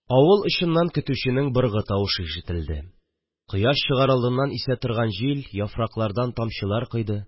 Авыл очыннан көтүченең быргы тавышы ишетелде, кояш чыгар алдыннан исә торган җил яфрактан тамчылар койды